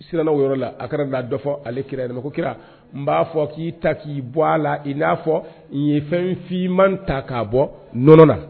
Siranna o yɔrɔ la, a ka nanan dɔ fɔ ale kira yɛrɛ man, ko kira n b'a fɔ k'i ta k'i bɔ a la i n'a fɔ n'ye fɛnfin man ta k'a bɔ nɔnɔ na